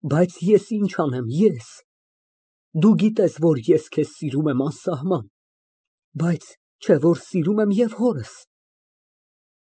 Բայց ե՞ս ինչ անեմ։ Դու գիտես, որ ես քեզ սիրում եմ անսահման, բայց չէ՞ որ սիրում եմ և հորս։